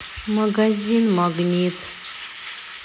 магазин магнит